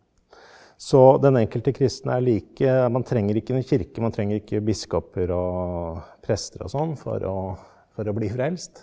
så den enkelte kristne er like man trenger ikke noen kirke man trenger ikke biskoper og prester og sånn for å for å bli frelst.